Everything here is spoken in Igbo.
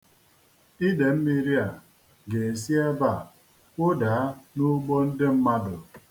Ide mmiri a ga-esi ebe a kwodaa n'ugbo ndị mmadụ.